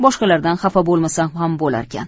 boshqalardan xafa bo'lmasam ham bo'larkan